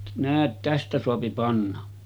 - tästä saa panna